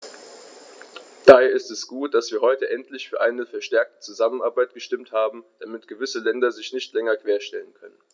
Daher ist es gut, dass wir heute endlich für eine verstärkte Zusammenarbeit gestimmt haben, damit gewisse Länder sich nicht länger querstellen können.